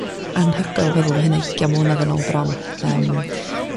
anhygoel meddwl ma' hynna igian mlynodd yn ôl bron yym